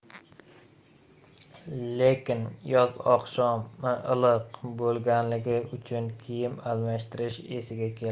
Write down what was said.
lekin yoz oqshomi iliq bo'lganligi uchun kiyim almashtirish esiga kelmadi